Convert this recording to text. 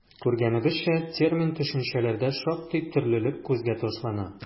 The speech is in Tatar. Күргәнебезчә, термин-төшенчәләрдә шактый төрлелек күзгә ташлана.